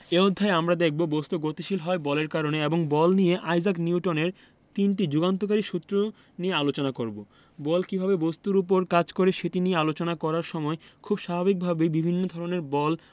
এই অধ্যায়ে আমরা দেখব বস্তু গতিশীল হয় বলের কারণে এবং বল নিয়ে আইজাক নিউটনের তিনটি যুগান্তকারী সূত্র নিয়ে আলোচনা করব বল কীভাবে বস্তুর উপর কাজ করে সেটি নিয়ে আলোচনা করার সময় খুব স্বাভাবিকভাবেই বিভিন্ন ধরনের বল